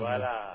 voilà